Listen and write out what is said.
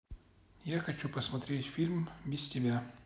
я хочу посмотреть фильм без тебя